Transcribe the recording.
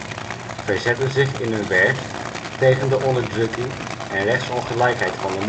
verzetten zich in hun werk tegen de onderdrukking en rechtsongelijkheid van de